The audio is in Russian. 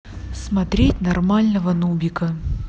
смотреть нормального нубика